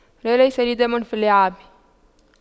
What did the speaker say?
لا ليس لي دم في اللعاب